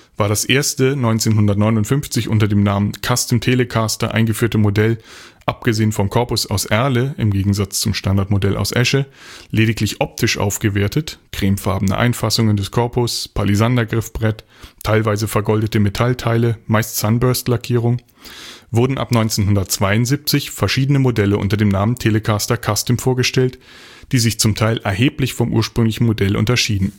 War das erste 1959 unter dem Namen „ Custom Telecaster “eingeführte Modell abgesehen vom Korpus aus Erle (im Gegensatz zum Standardmodell aus Esche) lediglich optisch aufgewertet (cremefarbene Einfassung des Korpus, Palisandergriffbrett, teilweise vergoldete Metallteile, meist Sunburst-Lackierung), wurden ab 1972 verschiedene Modelle unter dem Namen „ Telecaster Custom “vorgestellt, die sich zum Teil erheblich vom ursprünglichen Modell unterschieden